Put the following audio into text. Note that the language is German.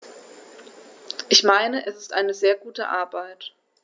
Ich meine, es ist eine sehr gute Arbeit.